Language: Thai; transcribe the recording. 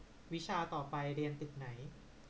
วิชาต่อไปเรียนตึกไหน